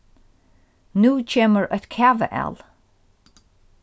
nú kemur eitt kavaæl